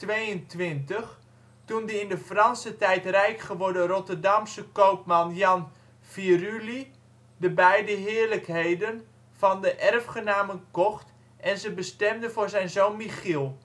1822 toen de in de Franse tijd rijk geworden Rotterdamse koopman Jan Viruly de beide heerlijkheden van de erfgenamen kocht en ze bestemde voor zijn zoon Michiel